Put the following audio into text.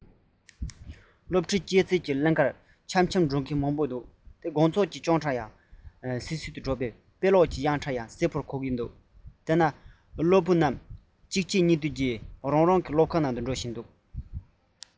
སྡོད ཤག གི ལྷས སུ བསྡད སློབ རའི སྐྱེད ཚལ གྱི གླིང ག འཆམ འཆམ དུ འགྲོ འདོད ཅིག སྐྱེས བྱུང སློབ རའི དགོང ཚོགས ཀྱི གྲ སྒྲིག གི ཅོང སྒྲ སིང སིང དུ གྲགས ཕྱི སྦྱོང བྱེད པའི དཔེ ཀློག གི སྒྲ དབྱངས གསལ འདྲུད ལྷམ དྲུད དེ དལ བ དལ བུར སློབ རའི སྐྱེད ཚལ གྱི གླིང གའི ཕྱོགས སུ སྙེག སློབ བུ ཚོ གཅིག རྗེས གཉིས མཐུད གཅིག ཀྱང མ ལུས པར རང རང གི སློབ ཁང དུ ཕྱིན པས